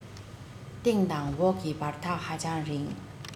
སྟེང དང འོག གི བར ཐག ཧ ཅང རིང